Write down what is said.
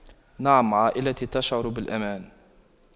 نعم عائلتي تشعر بالأمان